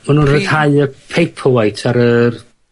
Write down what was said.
ma' nw'n ryddhau y Paperwhite ar yr